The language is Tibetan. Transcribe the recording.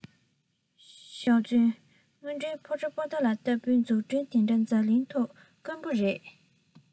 ཞུས ཙང དངོས འབྲེལ ཕོ བྲང པོ ཏ ལ ལྟ བུའི འཛུགས སྐྲུན དེ འདྲ འཛམ གླིང ཐོག དཀོན པོ རེད